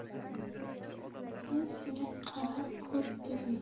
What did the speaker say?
men senga qarab ko'r dedim